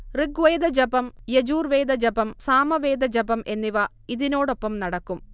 ഋഗ്വേദജപം, യജൂർവേദ ജപം, സാമവേദ ജപം എന്നിവ ഇതിനോടൊപ്പം നടക്കും